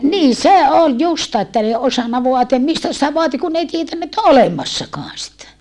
niin se oli justiin että ne ei osannut vaatia mistä sitä vaati kun ne ei tiennyt että on olemassakaan sitä